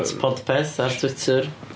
At Podpeth ar Twitter.